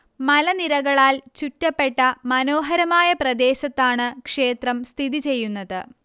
മലനിരകളാൽ ചുറ്റപ്പെട്ട മനോഹരമായ പ്രദേശത്താണ് ക്ഷേത്രം സ്ഥിതി ചെയ്യുന്നത്